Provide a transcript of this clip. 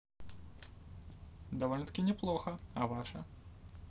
довольно таки неплохо а ваши